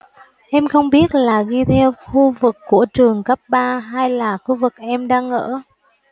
em không biết là ghi theo khu vực của trường cấp ba hay là khu vực em đang ở